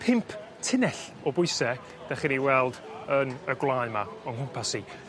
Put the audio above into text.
pump tunnell o bwyse 'dach chi'n ei weld yn y gwlâu 'ma o'n nghwmpas i.